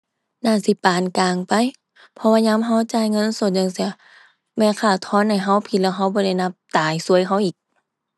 น่าสิปานกลางไป เพราะว่ายามเราจ่ายเงินสดจั่งซี้ แม่ค้าทอนให้เราผิดแล้วเราบ่ได้นับ ตาย ซวยเราอีก